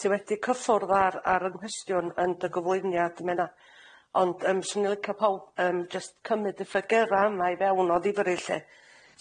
Ti wedi cyffwrdd ar ar y nghystion yn dy gyflwyniad Menna ond yym swn i'n licio pow- yym jyst cymyd y ffigyra' yma i fewn o ddifyr i lly.